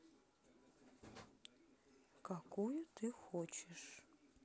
какую ты хочешь